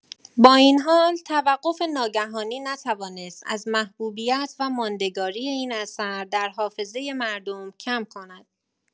با این حال، توقف ناگهانی نتوانست از محبوبیت و ماندگاری این اثر در حافظه مردم کم کند.